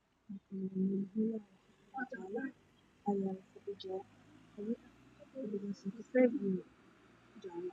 Jaalla ah fadhi jaalla ah fadhigaas kafay iyo jaalle.